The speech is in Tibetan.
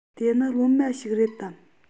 དེ ནི སློབ མ ཞིག རེད དམ